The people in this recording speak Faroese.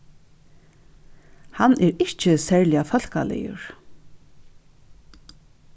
hann er ikki serliga fólkaligur